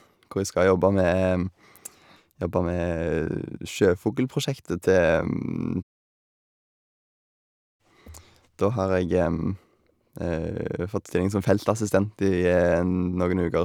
Hvor jeg skal jobbe med jobbe med sjøfugl-prosjektet til Da har jeg fått stilling som feltassistent i noen uker.